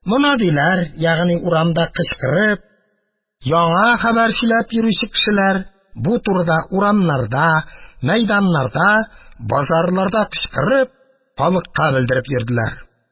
Мөнадиләр, ягни урамда кычкырып, яңа хәбәр сөйләп йөрүче кешеләр, бу турыда урамнарда, мәйданнарда, базарларда кычкырып, халыкка белдереп йөрделәр